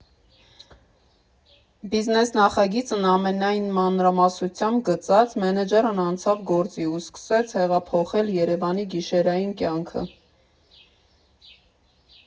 Բիզնես նախագիծն ամենայն մանրամասնությամբ գծած մենեջերն անցավ գործի ու սկսեց հեղափոխել Երևանի գիշերային կյանքը։